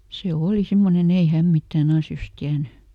se oli semmoinen ei hän mitään asioista tiennyt